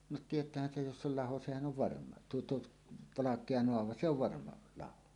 no tietäähän sen jos se oli laho sehän on varma tuo tuo valkea naava se on varma laho